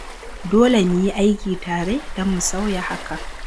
Dole mu yi aiki tare don mu sauya hakan!